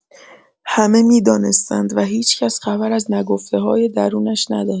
همه می‌دانستند و هیچ‌کس خبر از نگفته‌های درونش نداشت.